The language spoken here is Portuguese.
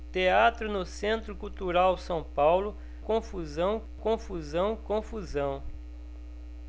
teatro no centro cultural são paulo confusão confusão confusão